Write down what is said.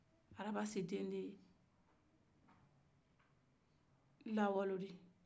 arabasi den de ye lawalo di